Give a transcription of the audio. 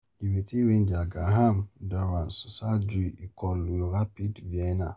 Ireti Rangers Graham Dorrans ṣaaju ikọlu Rapid Vienna